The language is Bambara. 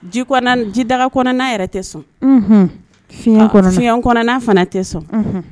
Ji ji daga kɔnɔna yɛrɛ tɛ sɔn a ko kɔnɔna fana tɛ sɔn